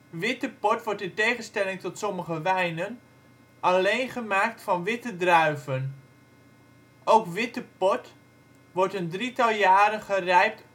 Witte port wordt in tegenstelling tot sommige wijnen alleen gemaakt van witte druiven. Ook witte port wordt een drietal jaren gerijpt